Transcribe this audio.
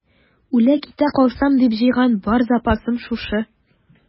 Үлә-китә калсам дип җыйган бар запасым шушы.